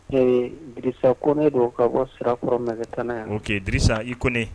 Ee bi ko ne don ka bɔ sirakɔrɔ nɛgɛtan yan oo quesa i ko ne